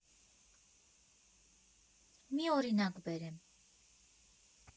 Մի օրինակ բերեմ.